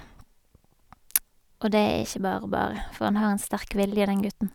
Og det er ikke bare bare, for han har en sterk vilje, den gutten.